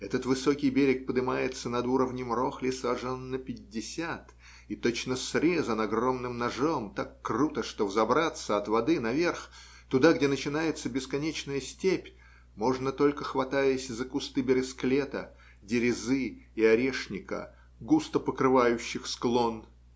Этот высокий берег подымается над уровнем Рохли сажен на пятьдесят и точно срезан огромным ножом так круто, что взобраться от воды наверх, туда, где начинается бесконечная степь, можно, только хватаясь за кусты бересклета, дерезы и орешника, густо покрывающих склон.